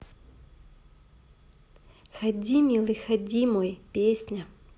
ходи милый ходи мой песня